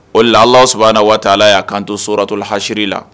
O de la allah subahana wa taa y'a kan to suratul haseri kɔnɔ